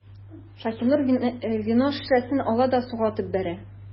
Шаһинур вино шешәсен ала да суга атып бәрә.